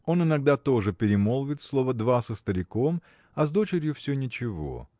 Он иногда тоже перемолвит слова два со стариком а с дочерью все ничего.